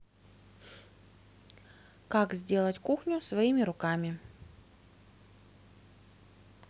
как сделать кухню своими руками